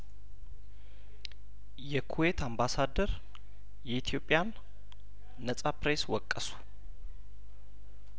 የኩዌት አምባሳደር የኢትዮጵያን ነጻ ፕሬስ ወቀሱ